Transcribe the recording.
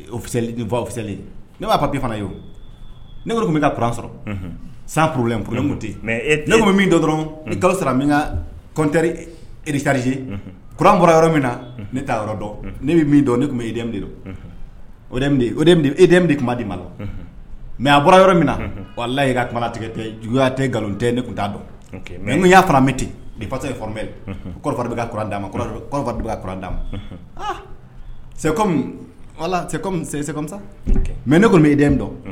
'a fana ne tun bɛ ka kuran sɔrɔ sankurulenkolonlenkun tɛ ne bɛ dɔrɔn kalo sara min ka kɔnteririze kuran bɔra yɔrɔ min na ne t' yɔrɔ dɔn ne bɛ min dɔn ne tun bɛ e den de don o e bɛ kuma di ma mɛ a bɔra yɔrɔ min na wala e ka kuma tigɛ tɛ juguyaya tɛ nkalon tɛ ne tun t'a dɔn mɛ n y'a bɛ ten fa yebɛ bɛ ka k' ma don k' ma se walasa mɛ ne tun e den dɔn